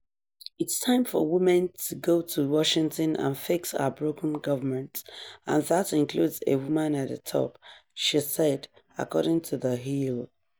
"It's time for women to go to Washington and fix our broken government and that includes a woman at the top," she said, according to The Hill.